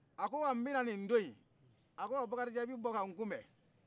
a ko wa nbɛ ma nin don yin a ko bakarijan i bɛ bɔ kan kunbɛ